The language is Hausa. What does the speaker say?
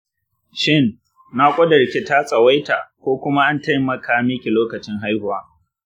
shin nakudarki ta tsawaita ko kuma an taimaka miki lokacin haihuwa?